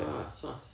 a twat